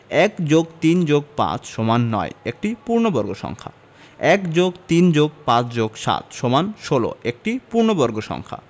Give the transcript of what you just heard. ১যোগ৩যোগ৫সমান৯ একটি পূর্ণবর্গ সংখ্যা ১যোগ৩যোগ৫যোগ৭সমান১৬ একটি পূর্ণবর্গ সংখ্যা